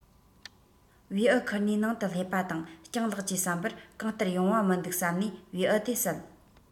བེའུ འཁུར ནས ནང དུ སླེབས པ དང སྤྱང ལགས ཀྱི བསམ པར གང ལྟར ཡོང བ མི འདུག བསམས ནས བེའུ དེ བསད